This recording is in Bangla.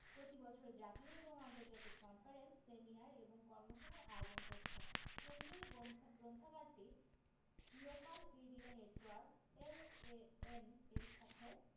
প্রতি বছর জাতীয় এবং আন্তর্জাতিক কনফারেন্স সেমিনার এবং কর্মশালার আয়োজন করছে কেন্দ্রীয় গ্রন্থা গ্রন্থাগারটি লোকাল এরিয়া নেটওয়ার্ক এলএএন এর সাথে